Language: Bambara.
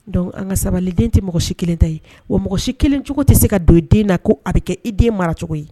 Dɔnkuc an ka sabali den tɛ mɔgɔ si kelen ta ye wa mɔgɔ si kelencogo tɛ se ka don den na ko a bɛ kɛ i den mara cogo ye